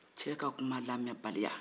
cɛ ka kuma lamɛn baliya